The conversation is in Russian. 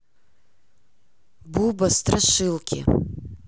буба страшилки